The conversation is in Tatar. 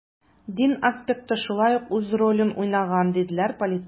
Дин аспекты шулай ук үз ролен уйнаган, диделәр полициядә.